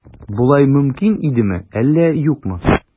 Болай мөмкин идеме, әллә юкмы?